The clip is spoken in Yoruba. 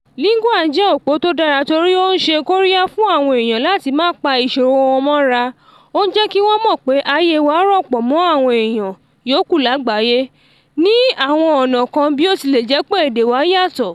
Lingua jẹ́ ojú òpó tó dàra torí ó ń ṣe kóríyá fún àwọn èèyàn láti má pa ìṣòro wọn mọ́ra, ó ń jẹ́ kí wọ́n mọ̀ pé ayé wa rọ̀ pọ̀ mọ́ àwọn èèyàn yókù lágbàáyé ní àwọn ọ̀na kan bí ó tilẹ̀ jẹ́ pé èdè wá yàtọ̀.